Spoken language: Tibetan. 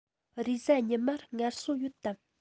རེས གཟའ ཉི མར ངལ གསོ ཡོད དམ